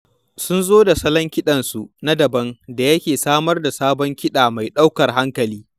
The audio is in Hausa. Sun zo da salon kiɗansu na daban da yake samar da sabon kiɗa mai ɗaukar hankali.